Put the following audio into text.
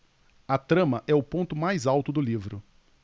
a trama é o ponto mais alto do livro